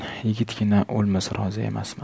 yigitgina o'lmasa rozi emasman